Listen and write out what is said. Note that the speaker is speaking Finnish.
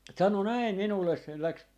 sanoi näin minulle se lähti